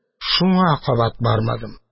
Шуңа кабат бармадым.